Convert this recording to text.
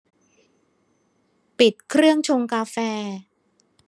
ปิดเครื่องชงกาแฟ